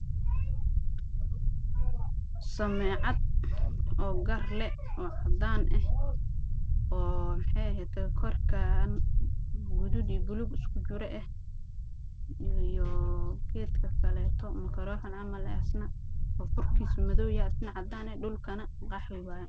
Sameecad gar leh oo cadaan ah